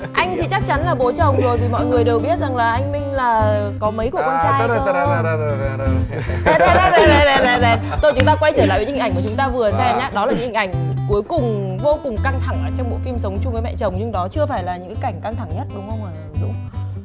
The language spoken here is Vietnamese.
anh thì chắc chắn là bố chồng rồi vì mọi người đều biết rằng là anh minh là có mấy cậu con trai cơ đà đa đá thôi chúng ta quay trở lại những hình ảnh mà chúng ta vừa xem nhé đó là những hình ảnh cuối cùng vô cùng căng thẳng ở trong bộ phim sống chung với mẹ chồng nhưng đó chưa phải là những cảnh căng thẳng nhất đúng không hả dũng